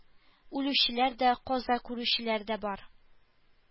Үлүчеләр дә, каза күрүчеләр дә бар